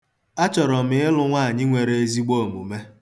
Achọrọ m ịlụ nwaanyị nwere ezigbo omume.